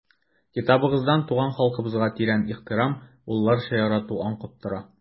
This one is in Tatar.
Китабыгыздан туган халкыбызга тирән ихтирам, улларча ярату аңкып тора.